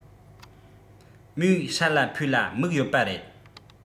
མོས ཧྲ ལ ཕོས ལ དམིགས ཡོད པ རེད